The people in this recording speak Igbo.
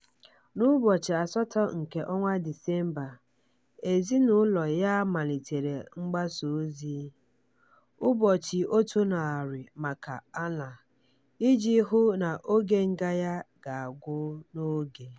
N'ụbọchị 8 nke Disemba, ezinụlọ ya malitere mgbasa ozi — "ụbọchị 100 maka Alaa" — iji hụ na oge nga ya ga-agwụ n'oge.